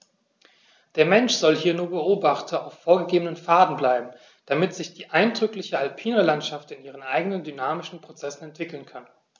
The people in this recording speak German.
Der Mensch soll hier nur Beobachter auf vorgegebenen Pfaden bleiben, damit sich die eindrückliche alpine Landschaft in ihren eigenen dynamischen Prozessen entwickeln kann.